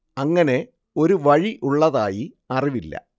അങ്ങനെ ഒരു വഴി ഉള്ളതായി അറിവില്ല